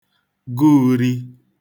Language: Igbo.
gụ ūrī